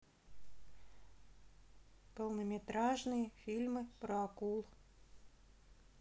полнометражные фильмы про акул